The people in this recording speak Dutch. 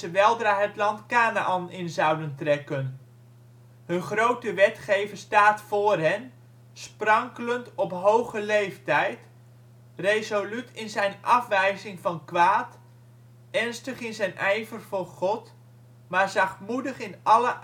het land Kanaän in zouden trekken. Hun grote wetgever staat voor hen, sprankelend op hoge leeftijd, resoluut in zijn afwijzen van kwaad, ernstig in zijn ijver voor God, maar zachtmoedig in alle